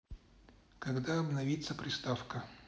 когда обновится приставка